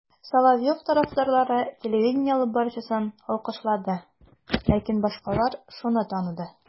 Соловьев тарафдарлары телевидение алып баручысын алкышлады, ләкин башкалар шуны таныды: